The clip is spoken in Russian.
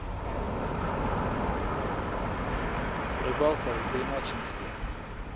рыбалка в гремячинске